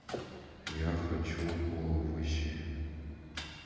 я хочу овощи